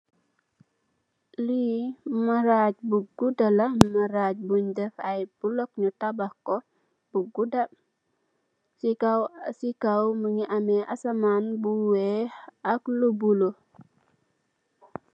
Marach bu gudala Marach bundef bulo bun tabax ku bu guda si kaw mu ngi ameh asaman bu weex ak lu bolo.